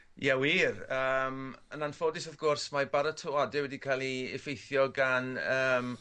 Ie wir yym yn anffodus wrth gwrs mae baratoade wedi ca'l 'u effeithio gan yym